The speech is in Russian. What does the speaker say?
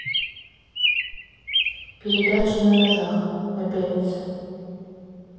передача на ножах на пятнице